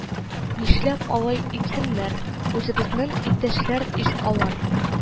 Нишләп алай итсеннәр, үзебезнең иптәшләр ич алар